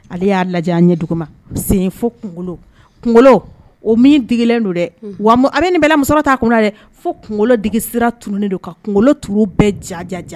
Ale y'a lajɛ ɲɛ dugu ma sen fo kunkolo kunkolo o min degelen don dɛ wa a bɛ nin bɛlamuso ta kun dɛ fo kunkolo digi sira tunnen don ka kunkolo t bɛɛ jajaja